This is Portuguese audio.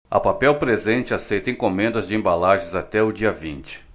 a papel presente aceita encomendas de embalagens até dia vinte